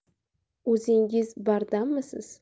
o'zingiz bardammisiz